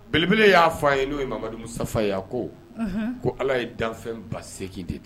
Belebelele y'a fɔ a ye n'o ye mamadumu safa ye ko ko ala ye danfɛn ba segingin de ta